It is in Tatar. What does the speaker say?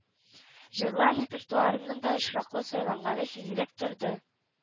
Җырлар репертуарының да очраклы сайланганы сизелеп торды